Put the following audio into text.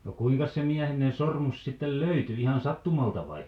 no kuinkas se miehenne sormus sitten löytyi ihan sattumalta vai